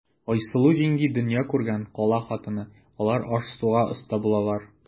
Айсылу җиңги дөнья күргән, кала хатыны, алар аш-суга оста булалар.